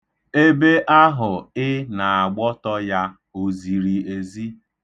Ebe ahụ ị na-agbọtọ ya, ọ ziri ezi?